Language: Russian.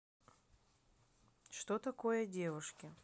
что такое девушки